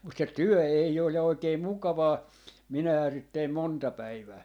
mutta se työ ei ole ja oikein mukavaa minähän sitä tein monta päivää